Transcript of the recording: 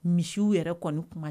Misiw yɛrɛ kɔni kuma